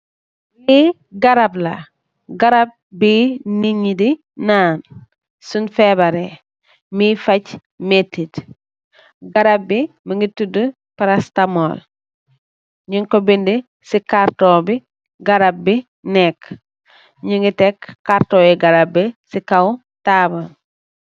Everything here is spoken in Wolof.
Li garab la garab bi nityi di naan suun febar reh moi faag metit garab bi mugi tuda paratamol nyun ko benda si cartoon bi garab bi neka nyun ko teek si kaw tabul.